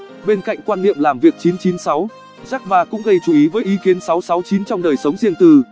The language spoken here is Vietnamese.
bên cạnh quan niệm làm việc jack ma cũng gây chú ý với ý kiến trong đời sống riêng tư